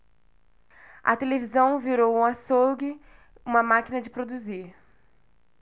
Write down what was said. a televisão virou um açougue uma máquina de produzir